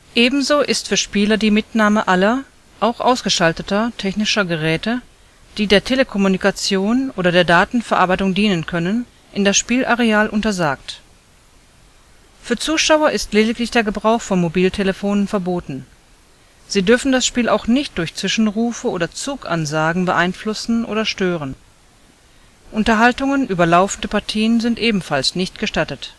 Ebenso ist für Spieler die Mitnahme aller – auch ausgeschalteter − technischer Geräte, die der Telekommunikation oder der Datenverarbeitung dienen können, in das Spielareal untersagt. Für Zuschauer ist lediglich der Gebrauch von Mobiltelefonen verboten. Sie dürfen das Spiel auch nicht durch Zwischenrufe oder Zugansagen beeinflussen oder stören. Unterhaltungen über laufende Partien sind ebenfalls nicht gestattet